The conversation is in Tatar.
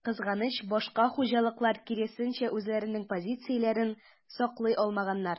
Кызганыч, башка хуҗалыклар, киресенчә, үзләренең позицияләрен саклый алмаганнар.